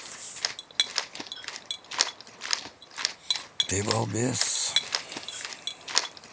ты балбес